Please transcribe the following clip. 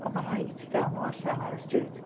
Ond mae'n rhaid i ti gael nhw allan ar y stryd.